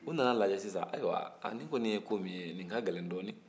u nana a lajɛ sisan ayiwa nin kɔni ye ko min ye nin ka gɛlɛn dɔɔni